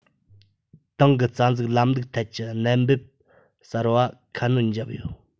ཏང གི རྩ འཛུགས ལམ ལུགས ཐད ཀྱི གཏན འབེབས གསར པ ཁ སྣོན བརྒྱབ ཡོད